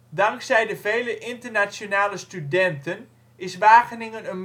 Dankzij de vele internationale studenten is Wageningen